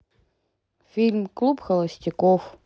фильм клуб холостяков